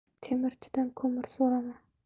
temirchidan ko'mir so'rama